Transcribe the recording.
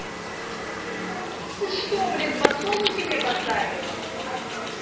ты что блин подсолнухи мне поставила